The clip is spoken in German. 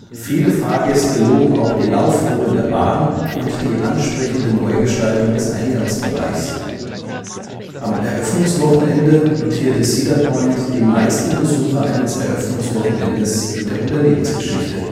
Viele Fahrgäste loben auch die Laufruhe der Bahn und die ansprechende Neugestaltung des Eingangsbereichs. Am Eröffnungswochenende notierte Cedar Point die meisten Besucher eines Eröffnungswochenendes in der Unternehmensgeschichte